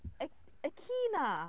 Y y ci 'na!